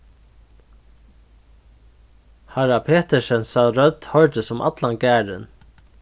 harra petersensa rødd hoyrdist um allan garðin